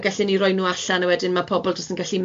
a gallen ni roi nw allan a wedyn ma' pobol jys yn gyllu